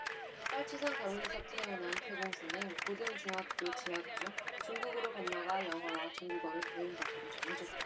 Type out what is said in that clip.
빨치산 가문에서 태어난 태 공사는 고등중학교 재학 중 중국으로 건너가 영어와 중국어를 배운 것으로 전해졌다